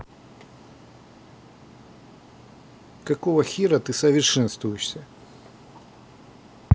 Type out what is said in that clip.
какого хера ты совершенствуешься